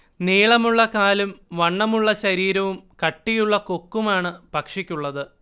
നീളമുള്ള കാലും വണ്ണമുള്ള ശരീരവും കട്ടിയുള്ള കൊക്കുമാണ് പക്ഷിക്കുള്ളത്